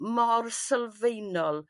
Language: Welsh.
mor sylfaenol